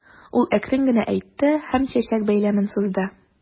Ул әкрен генә әйтте һәм чәчәк бәйләмен сузды.